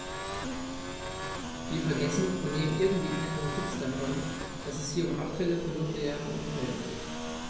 Wir vergessen, und nehmen irgendwie keine Notiz davon, dass es hier um Abfälle von nuklearen Unfällen geht.